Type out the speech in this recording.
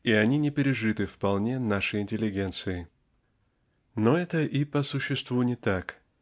и они не пережиты вполне нашей интеллигенцией. Но это и по существу не так.